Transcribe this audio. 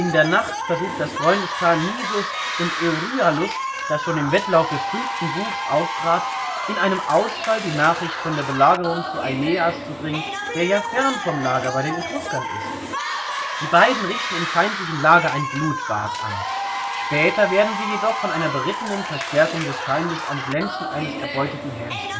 der Nacht versucht das Freundespaar Nisus und Euryalus, das schon im Wettlauf des 5. Buchs auftrat, in einem Ausfall die Nachricht von der Belagerung zu Aeneas zu bringen, der ja fern vom Lager bei den Etruskern ist. Die beiden richten im feindlichen Lager ein Blutbad an. Später werden sie jedoch von einer berittenen Verstärkung des Feindes am Glänzen eines erbeuteten Helms